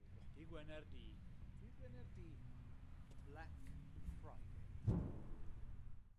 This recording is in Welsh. O! Dy' Gwener Du. Dydd Gwener Du. Black Friday.